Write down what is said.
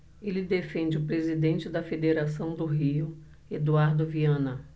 ele defende o presidente da federação do rio eduardo viana